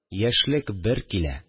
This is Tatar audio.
Яшьлек бер килә